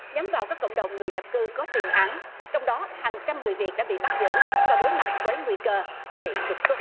nhắm vào các cộng đồng người nhập cư có tiền án trong đó hàng trăm người việt đã bị bắt giữ và đối mặt với nguy cơ bị trục xuất